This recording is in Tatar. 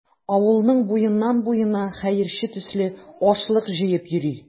Авылның буеннан-буена хәерче төсле ашлык җыеп йөри.